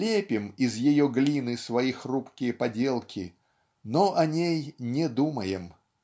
лепим из ее глины свои хрупкие поделки но о ней не думаем